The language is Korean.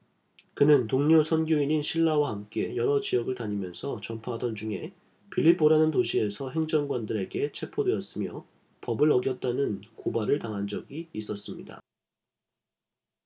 그는 동료 선교인인 실라와 함께 여러 지역을 다니면서 전파하던 중에 빌립보라는 도시에서 행정관들에게 체포되었으며 법을 어겼다는 고발을 당한 적이 있었습니다